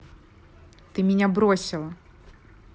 ты меня бросила